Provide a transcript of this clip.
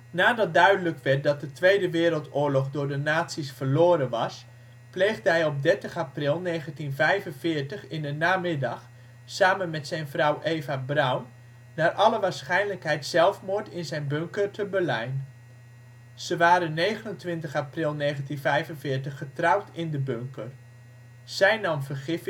Nadat duidelijk werd dat de Tweede Wereldoorlog door de nazi 's verloren was pleegde hij op 30 april 1945 in de namiddag, samen met zijn vrouw Eva Braun, naar alle waarschijnlijkheid zelfmoord in zijn bunker te Berlijn. Ze waren 29 april 1945 getrouwd in de bunker. Zij nam vergif